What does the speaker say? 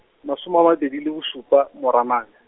masoma a mabedi le bosupa, Moranang.